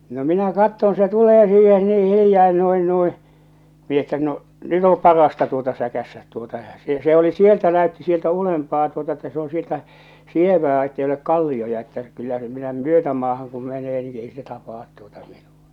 no minä katson se tulee siihen niin hiljaa noin noin minä että no nyt on parasta tuota säkäistä tuota ja se se oli sieltä näytti sieltä ylempää tuota että se on sieltä sievää että ei ole kallioita että kyllä se minä myötämaahan kun menee niin ei se tapaa tuota minua